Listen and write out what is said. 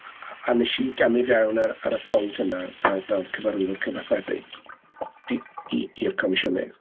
A a a wnes i gamu fewn ar y pwynt yna fel Cyfarwyddwr Cyfathrebu i i i'r Comisiynydd.